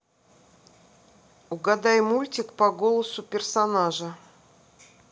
угадай мультик по голосу персонажа